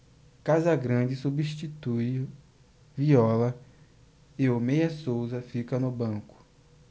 casagrande substitui viola e o meia souza fica no banco